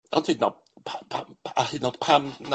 Ond hyd yn o'd, pa- pa- pa- a hyd yn o'd pan